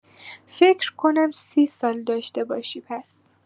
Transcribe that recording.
فکر کنم ۳۰ سال داشته باشی پس.